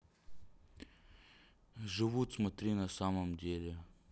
живут смотри на самом деле